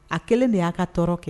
A kɛlen de y'a ka tɔɔrɔ kɛ